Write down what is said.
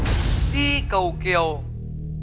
đi cầu kiều